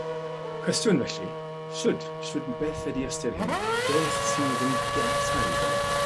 Cwestiwn felly shwd shwd n- beth ydi ystyr hyn? Beth sydd yn Geltaidd yma?